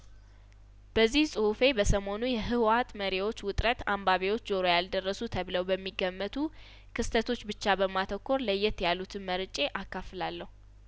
በዚህ ጹሁፌ በሰሞኑ የህወሀት መሪዎች ውጥረት አንባቢዎች ጆሮ ያልደረሱ ተብለው ብሚገመቱ ክስተቶች ብቻ በማተኮር ለየት ያሉትን መርጬ አካፍላለሁ